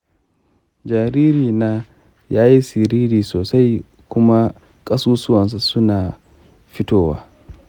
jaririna ya yi siriri sosai kuma ƙasusuwansa suna fitowa.